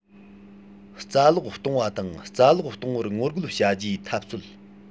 རྩ སློག གཏོང བ དང རྩ སློག གཏོང བར ངོ རྒོལ བྱ རྒྱུའི འཐབ རྩོད